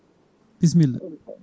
bisimilla